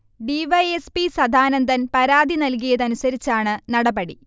D. Y. S. P. Sadanandan പരാതി നൽകിയതനുസരിച്ചാണ് നടപടി